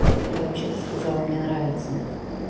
я вообще то сказала мне нравится